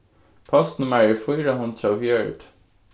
postnummarið er fýra hundrað og fjøruti